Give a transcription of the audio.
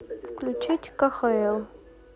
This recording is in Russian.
включить кхл